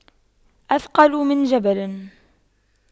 أثقل من جبل